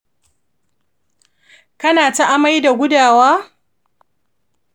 kanata amai da gudawa?